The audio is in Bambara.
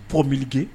P milike